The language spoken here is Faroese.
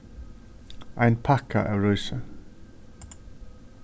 ein pakka av rísi